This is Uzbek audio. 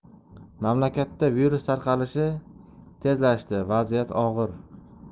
mamlakatda virus tarqalishi tezlashdi vaziyat og'ir